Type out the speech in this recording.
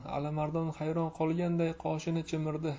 alimardon hayron qolganday qoshini chimirdi